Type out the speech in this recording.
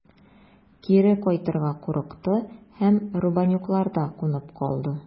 Кире кайтырга курыкты һәм Рубанюкларда кунып калды.